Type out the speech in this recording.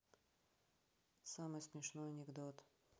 самый смешной анекдот